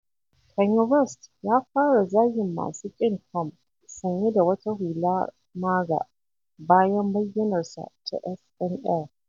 Kanye West Ya Fara Zagin Masu Ƙin Trump, Sanye da wata Hular MAGA, Bayan Bayyanarsa ta SNL.